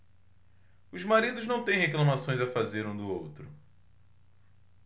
os maridos não têm reclamações a fazer um do outro